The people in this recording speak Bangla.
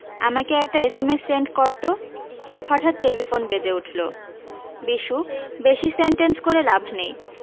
আমাকে একটা এসএমএস সেন্ড করতো হঠাত টেলিফোন বেজে উঠল বিশু বেশী সেনটেন্স করে লাভ নেই